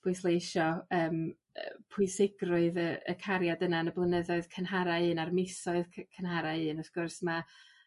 pwysleisio yym yy pwysigrwydd y cariad yna yn y blynyddoedd cynhara un a'r misoedd c- cynhara un wrth gwrs ma'